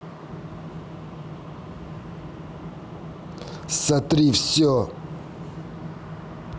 сотри все